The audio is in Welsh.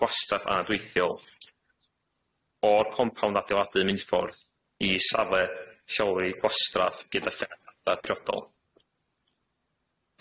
gwastraff anadwythiol o'r compownd adeiladu Minffordd i safle lleoli gwastraff gyda priodol.